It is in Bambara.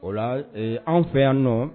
O la. Ee anw fɛ yan nɔ?